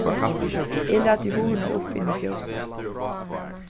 eg lati hurðina upp inn í fjósið